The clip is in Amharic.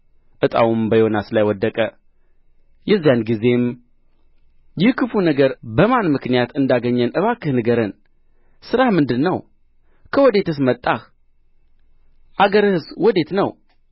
ዕጣውም በዮናስ ላይ ወደቀ የዚያን ጊዜም ይህ ክፉ ነገር በማን ምክንያት እንዳገኘን እባክህ ንገረን ሥራህ ምንድር ነው ከወዴትስ መጣህ አገርህስ ወዴት ነው